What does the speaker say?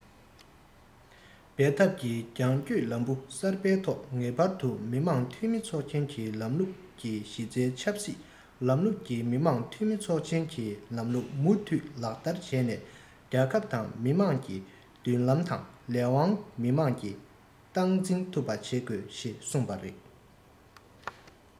འབད འཐབ ཀྱི རྒྱང སྐྱོད ལམ བུ གསར པའི ཐོག ངེས པར དུ མི དམངས འཐུས མི ཚོགས ཆེན གྱི ལམ ལུགས ཀྱི གཞི རྩའི ཆབ སྲིད ལམ ལུགས ཀྱི མི དམངས འཐུས མི ཚོགས ཆེན གྱི ལམ ལུགས མུ མཐུད ལག བསྟར བྱས ནས རྒྱལ ཁབ དང མི རིགས ཀྱི མདུན ལམ དང ལས དབང མི དམངས ཀྱིས སྟངས འཛིན ཐུབ པ བྱེད དགོས ཞེས གསུངས པ རེད